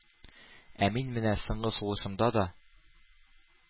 Ә мин менә соңгы сулышымда да